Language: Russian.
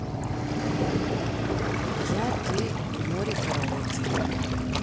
я ты и море караоке